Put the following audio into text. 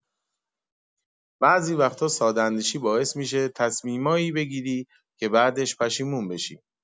بعضی وقتا ساده‌اندیشی باعث می‌شه تصمیمایی بگیری که بعدش پشیمون بشی.